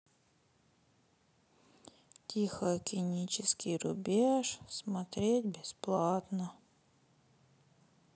тихоокеанский рубеж смотреть бесплатно